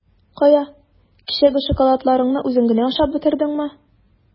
Кая, кичәге шоколадларыңны үзең генә ашап бетердеңме?